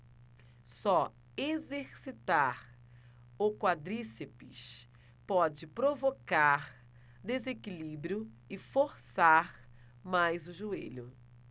só exercitar o quadríceps pode provocar desequilíbrio e forçar mais o joelho